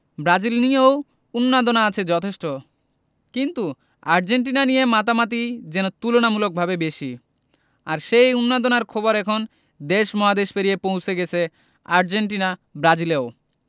Brazil নিয়েও উন্মাদনা আছে যথেষ্ট কিন্তু আর্জেন্টিনা নিয়ে মাতামাতিই যেন তুলনামূলকভাবে বেশি আর সেই উন্মাদনার খবর এখন দেশ মহাদেশ পেরিয়ে পৌঁছে গেছে আর্জেন্টিনা ব্রাজিলেও